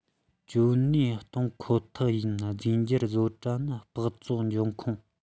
ཅོ ནེ གཏོད ཁོ ཐག ཡིན རྫས འགྱུར བཟོ གྲྭ ནི སྦགས བཙོག འབྱུང ཁུངས